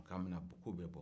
k'an bɛna bɔ k'u bɛ bɔ